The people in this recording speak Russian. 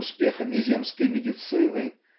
успехами земской медицины